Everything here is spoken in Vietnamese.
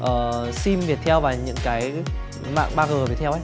ờ sim việt theo và những cái mạng ba gờ việt theo ý